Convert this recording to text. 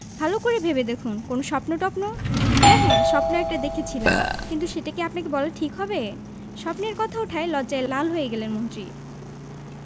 ভালো করে ভেবে দেখুন কোনো স্বপ্ন টপ্ন হ্যাঁ হ্যাঁ স্বপ্ন একটা দেখেছিলাম কিন্তু সেটা কি আপনাকে বলা ঠিক হবে স্বপ্নের কথা ওঠায় লজ্জায় লাল হয়ে গেলেন মন্ত্রী